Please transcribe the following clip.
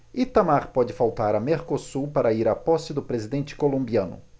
itamar pode faltar a mercosul para ir à posse do presidente colombiano